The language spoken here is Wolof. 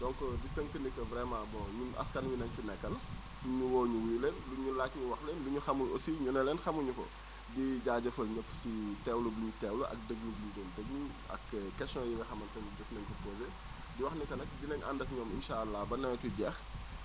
donc di tënk ni que vraiment ñun askan wi lañ fi nekkal fuñ ñu woo ñu wuyu leen luñ ñu laaj ñu wax leen lu ñu xamul aussi ñu leen xamuñu ko di jaajëfal ñëpp si teewlu bi ñuy teewlu ak déglu bi ñu doon déglu ak questions yi nga xamante ni jot nañu ko posées di wax ni que nag dinañ ànd ak ñoom incha allah ba nawet wi jeex